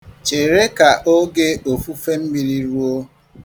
Chere ka oge ofufe mmiri ruo.